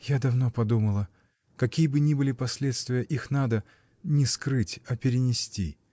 — Я давно подумала: какие бы ни были последствия, их надо — не скрыть, а перенести!